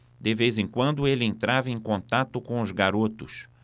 de vez em quando ele entrava em contato com os garotos